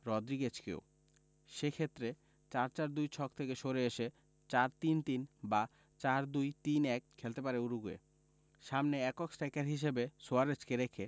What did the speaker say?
রড্রিগেজকেও সে ক্ষেত্রে ৪ ৪ ২ ছক থেকে সরে এসে ৪ ৩ ৩ বা ৪ ২ ৩ ১ খেলতে পারে উরুগুয়ে সামনে একক স্ট্রাইকার হিসেবে সুয়ারেজকে রেখে